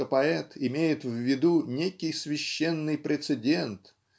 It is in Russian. что поэт имеет в виду некий священный прецедент